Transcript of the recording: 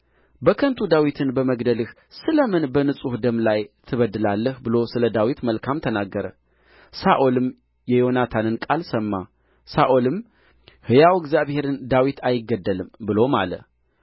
በከንቱ ዳዊትን በመግደልህ ስለምን በንጹሕ ደም ላይ ትበድላለህ ብሎ ስለ ዳዊት መልካም ተናገረ ሳኦልም የዮናታንን ቃል ሰማ ሳኦልም ሕያው እግዚአብሔርን ዳዊት አይገደልም ብሎ ማለ